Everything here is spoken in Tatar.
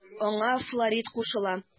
Аңа Флорид кушыла.